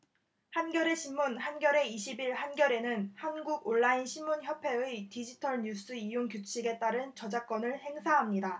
한겨레신문 한겨레 이십 일 한겨레는 한국온라인신문협회의 디지털뉴스이용규칙에 따른 저작권을 행사합니다